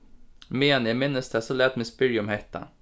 meðan eg minnist tað so lat meg spyrja um hetta